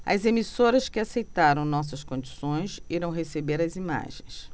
as emissoras que aceitaram nossas condições irão receber as imagens